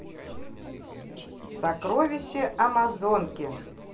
сокровище амазонки